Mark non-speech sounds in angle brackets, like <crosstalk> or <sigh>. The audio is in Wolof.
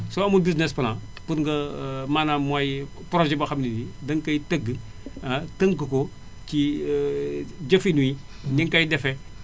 soo amul business plan pour nga <hesitation> maanaam mooy projet boo xam ne ni danga koy tëgg ah tënk ko ci <hesitation> jëfin wi ni nga koy defee